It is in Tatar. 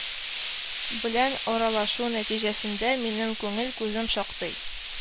Белән аралашу нәтиҗәсендә минем күңел күзем шактый